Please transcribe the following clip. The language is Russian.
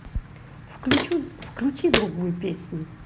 включи другую песню